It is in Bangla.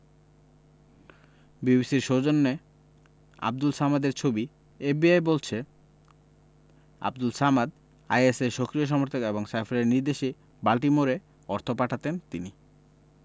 বিবিসির সৌজন্যে আবদুল সামাদের ছবি এফবিআই বলছে আবদুল সামাদ আইএসের সক্রিয় সমর্থক এবং সাইফুলের নির্দেশেই বাল্টিমোরে অর্থ পাঠাতেন তিনি